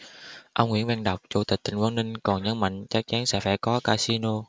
ông nguyễn văn đọc chủ tịch tỉnh quảng ninh còn nhấn mạnh chắc chắn sẽ phải có casino